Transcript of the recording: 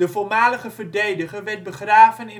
voormalige verdediger werd begraven